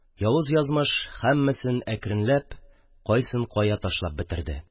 Явыз язмыш һәммәсен әкренләп кайсын-кая ташлап бетерде.